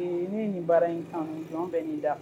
Ne nin baara in kanu , jɔn bɛ nin da kan.